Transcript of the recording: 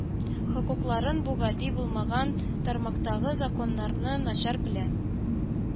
Хокукларын, бу гади булмаган тармактагы законнарны начар белә